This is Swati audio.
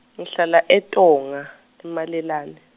ngihlala eTonga, e- Malelane.